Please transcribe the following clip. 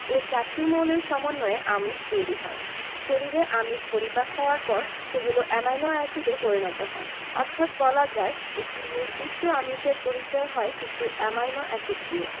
এ চারটি মৌলের সমন্বয়ে আমিষ তৈরি হয় শরীরে আমিষ পরিপাক হওয়ার পর সেগুলো অ্যামাইনো এসিডে পরিণত হয় অর্থাৎ বলা যায় একটি নির্দিষ্ট আমিষের পরিচয় হয় কিছু অ্যামাইনো এসিড দিয়ে